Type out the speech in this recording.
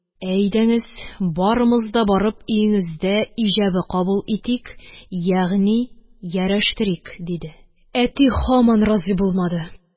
Әйдәңез, барымыз да барып, өеңездә иҗабе кабул итик, ягъни ярәштерик, – диде. әти һаман разый булмады